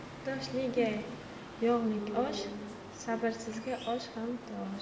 bardoshliga yog'lik osh sabrsizga osh ham tosh